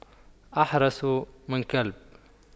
أحرس من كلب